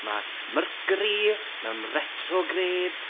Ma' Mercury mewn retrograde.